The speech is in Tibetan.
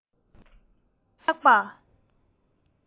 བདེ བ ཆུང ངུ ཆགས པ